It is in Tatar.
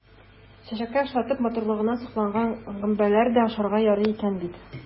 Чәчәккә охшатып, матурлыгына сокланган гөмбәләр дә ашарга ярый икән бит!